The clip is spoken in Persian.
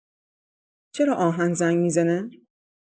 چرا آهن زنگ می‌زنه؟